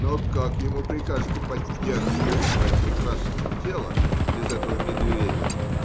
но как ему прикажете поддерживать свое прекрасное тело без этого медведя?